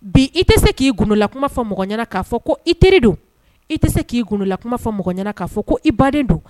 Bi i tɛ se k'i g kunla kuma fɔ mɔgɔ ɲɛna'a fɔ ko i teri don i tɛ se k'i kunla kuma fɔ mɔgɔ ɲɛna'a fɔ ko i baden don